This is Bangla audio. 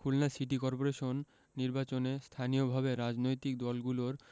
খুলনা সিটি করপোরেশন নির্বাচনে স্থানীয়ভাবে রাজনৈতিক দলগুলোর